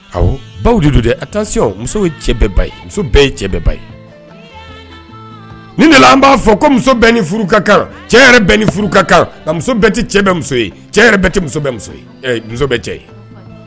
Baw de don dɛ a taa se muso ye cɛ bɛɛ ba ye muso bɛɛ ye cɛbɛ ba ye ni nana an b'a fɔ ko muso bɛɛ ni furu ka kan cɛ ni furu ka kan muso bɛɛ tɛ cɛbɛ muso ye cɛ tɛ muso muso muso bɛ cɛ